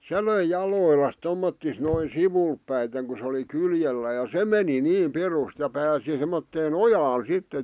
se löi jaloillaan tommottoon noin sivulle päiten kun se oli kyljellään ja se meni niin pirusti ja pääsi semmoiseen ojaan sitten